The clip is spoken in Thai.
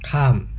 ข้าม